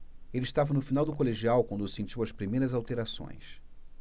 ele estava no final do colegial quando sentiu as primeiras alterações